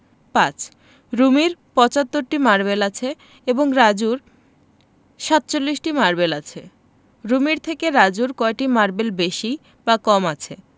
৫ রুমির ৭৫টি মারবেল আছে এবং রাজুর ৪৭টি মারবেল আছে রুমির থেকে রাজুর কয়টি মারবেল বেশি বা কম আছে